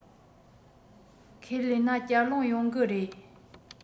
ཁས ལེན ན བསྐྱར ལོག ཡོང གི རེད